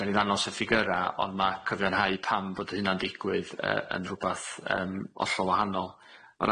Fedan ni ddangos y ffigyra ond ma' cyfiawnhau pam fod hynna'n digwydd yy yn rhwbath yym hollol wahanol.